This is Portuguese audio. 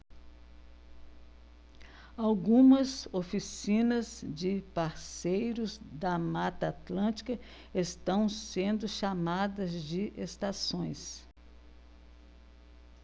algumas oficinas de parceiros da mata atlântica estão sendo chamadas de estações